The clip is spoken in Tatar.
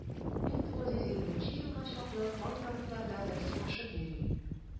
1920 елга чаклы кай тарафлардадыр сугышып йөри.